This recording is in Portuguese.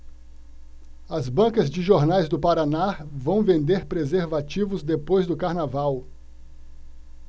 as bancas de jornais do paraná vão vender preservativos depois do carnaval